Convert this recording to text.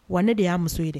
Wa ne de y'a muso ye de